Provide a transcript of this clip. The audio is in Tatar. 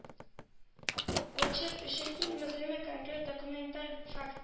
Очерк өчен иң мөһиме конкрет документаль факт